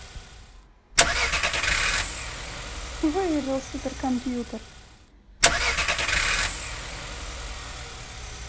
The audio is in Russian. выжил супер компьютер